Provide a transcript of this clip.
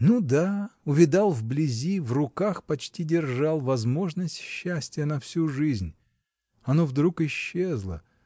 Ну да: увидал вблизи, в руках почти держал возможность счастия на всю жизнь -- оно вдруг исчезло